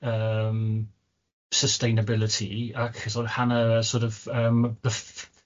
Yym, sustainability ac sor' of hanner y sor' of yym the ff-